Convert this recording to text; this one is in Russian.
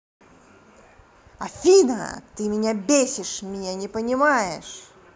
афина ты меня бесишь меня не понимаешь